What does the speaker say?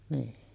niin